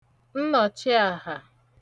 nnọ̀chiàhà